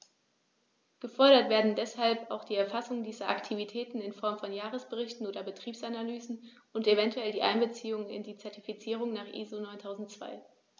Gefordert werden deshalb auch die Erfassung dieser Aktivitäten in Form von Jahresberichten oder Betriebsanalysen und eventuell die Einbeziehung in die Zertifizierung nach ISO 9002.